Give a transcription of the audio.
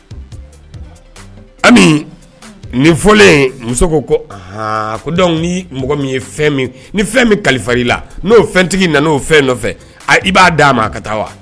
AMI. Un. Nin fɔlen, muso ko ko anhan donc ni mɔgɔ min ye fɛn min ni min kalifa i la n'o fɛntigi nana o fɛn nɔfɛ i b'a d'a ma a ka taa wa.